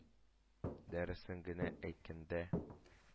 Дөресен генә әйткәндә,